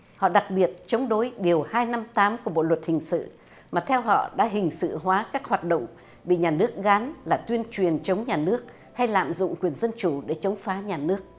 họ đặc biệt chống đối điều hai năm tám của bộ luật hình sự mà theo họ đã hình sự hóa các hoạt động bị nhà nước gán là tuyên truyền chống nhà nước hay lạm dụng quyền dân chủ để chống phá nhà nước